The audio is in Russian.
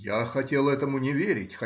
Я хотел этому не верить